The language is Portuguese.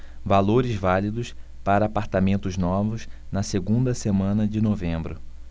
valores válidos para apartamentos novos na segunda semana de novembro